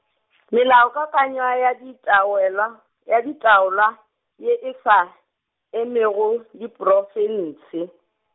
melaokakanywa ya dita wela, ya ditaola, ye e sa, emego diprofense.